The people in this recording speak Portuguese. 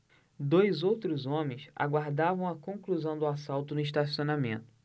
dois outros homens aguardavam a conclusão do assalto no estacionamento